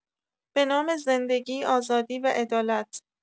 به نام زندگی، آزادی و عدالت